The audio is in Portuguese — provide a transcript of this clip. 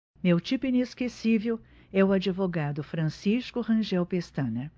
meu tipo inesquecível é o advogado francisco rangel pestana